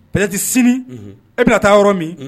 Preti sini e bɛna taa yɔrɔ min